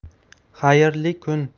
xayrli kun